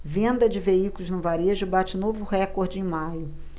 venda de veículos no varejo bate novo recorde em maio